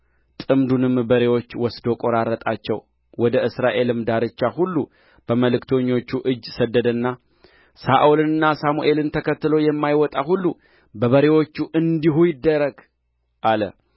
ጥምዱንም በሬዎች ወስዶ ቈራረጣቸው ወደ እስራኤልም ዳርቻ ሁሉ በመልክተኞቹ እጅ ሰደደና ሳኦልንና ሳሙኤልን ተከትሎ የማይወጣ ሁሉ በበሬዎቹ እንዲሁ ይደረግ አለ